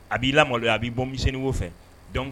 A b'i la maloya a b' bɔ mini wo fɛ